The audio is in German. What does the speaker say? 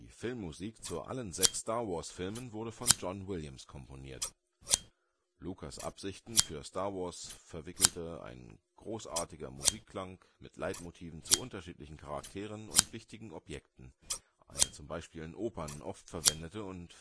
Filmmusik zu allen sechs Star-Wars-Filmen wurde von John Williams komponiert. Lucas Absichten für Star Wars verwickelte ein großartiger Musikklang mit Leitmotiven zu unterschiedlichen Charakteren und wichtigen Objekten; eine zum Beispiel in Opern oft verwendete und